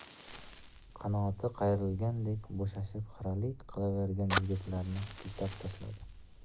qanoti qayrilgandek bo'shashib xiralik qilavergan yigitlarni siltab tashladi